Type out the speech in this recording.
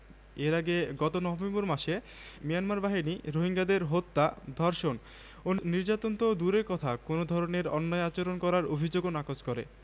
সেখানে ১০টি কঙ্কাল মিললেও তাদের পরিচয় জানা যায়নি এরপর মিয়ানমার সেনাবাহিনী নিজেই এর তদন্ত শুরু করে তদন্তের ফল অনুযায়ী ইনদিন গ্রামের ওই গণহত্যা সংঘটিত হয়েছে গত ২ সেপ্টেম্বর